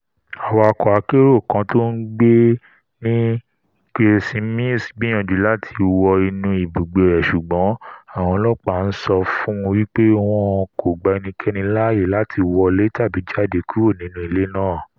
Awàkọ akérò kan tó ńgbé ní Grayson Mewṣ gbìyànjù láti wọ inú ibùgbé rẹ ṣùgbọ́n àwọn ọlọ́ọ̀pá ńsọ fún un wípé wọn kògba ́ẹnikẹ́nì láàyè láti wọlé tàbí jáde kúrò nínú ilé náà.